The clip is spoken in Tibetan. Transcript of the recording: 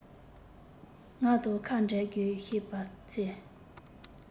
ང དང ཁ འབྲལ དགོས ཤེས པ ཚེ